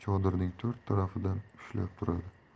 chodirning to'rt tarafidan ushlab turadi